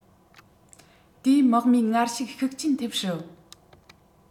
དེའི དམག མིའི ངར ཤུགས ཤུགས རྐྱེན ཐེབས སྲིད